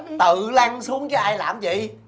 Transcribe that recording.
tự lăn xuống chứ ai làm gì